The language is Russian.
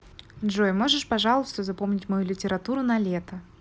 джой можешь пожалуйста запомнить мою литературу на лето